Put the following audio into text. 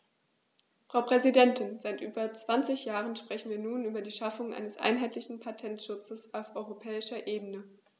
Frau Präsidentin, seit über 20 Jahren sprechen wir nun über die Schaffung eines einheitlichen Patentschutzes auf europäischer Ebene.